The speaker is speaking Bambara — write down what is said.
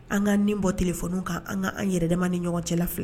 An ŋ'an nin bɔ téléphone w kan an ŋa an yɛrɛdama ni ɲɔgɔn cɛla filɛ